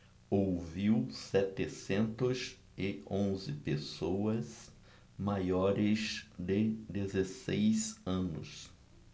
ouviu setecentos e onze pessoas maiores de dezesseis anos